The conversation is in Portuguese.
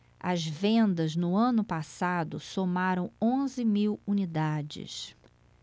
as vendas no ano passado somaram onze mil unidades